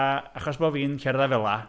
A achos bod fi'n cerdded fel 'na.